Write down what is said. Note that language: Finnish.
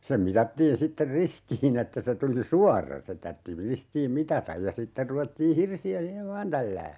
sen mitattiin sitten ristiin että se tuli suora se tarvitsi ristiin mitata ja sitten ruvettiin hirsiä siihen vain tälläämään